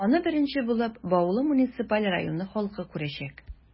Аны беренче булып, Баулы муниципаль районы халкы күрәчәк.